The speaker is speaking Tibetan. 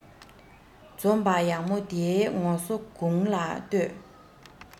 འཛོམས པ ཡག མོ འདིའི ངོ སོ དགུང ལ བསྟོད